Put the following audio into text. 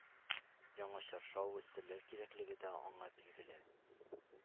Яңа чаршау, өстәлләр кирәклеге дә аңа билгеле.